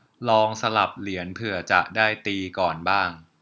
ลองสลับเหรียญเผื่อจะได้ตีก่อนบ้าง